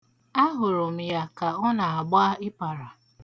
Ahụrụ m ya ka ọ na-agba ịpara.